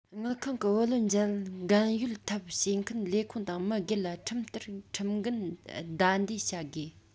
དངུལ ཁང གི བུ ལོན འཇལ འགན གཡོལ ཐབས བྱེད མཁན ལས ཁུངས དང མི སྒེར ལ ཁྲིམས ལྟར ཁྲིམས འགན བདའ འདེད བྱ དགོས